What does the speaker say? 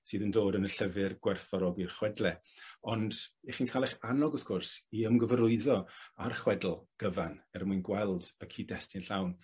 sydd yn dod yn y llyfyr Gwerthfawrogi'r Chwedle. Ond 'ych chi'n ca'l 'ych annog wth gwrs i ymgyfarwyddo â'r chwedl gyfan er mwyn gweld y cyd-destun llawn.